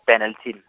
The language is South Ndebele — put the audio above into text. Dennilton.